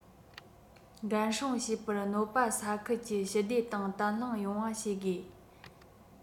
འགན སྲུང བྱེད པར གནོད པ ས ཁུལ གྱི ཞི བདེ དང བརྟན ལྷིང ཡོང བ བྱེད དགོས